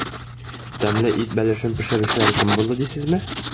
Тәмле ит бәлешен пешерүчеләр кем булды дисезме?